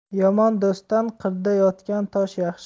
yomon do'stdan qirda yotgan tosh yaxshi